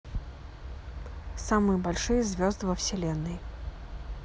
самые большие звезды во вселенной